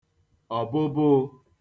ọ̀bụbụụ̄